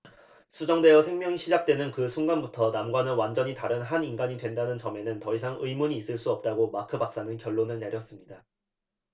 수정되어 생명이 시작되는 그 순간부터 남과는 완전히 다른 한 인간이 된다는 점에는 더 이상 의문이 있을 수 없다고 마크 박사는 결론을 내렸습니다